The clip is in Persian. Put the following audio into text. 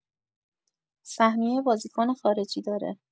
سهمیه بازیکن خارجی داره